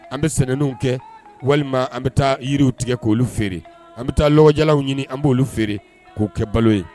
An bɛ sinanw kɛ walima an bɛ taa yiriw tigɛ k' olu feere an bɛ taa lajalaww ɲini an b' olu feere k'o kɛ balo ye